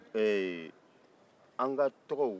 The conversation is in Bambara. ɛɛ an ka tɔgɔw